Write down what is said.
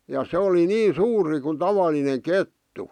ja se oli niin suuri kuin tavallinen kettu